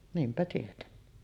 niinpä tietenkin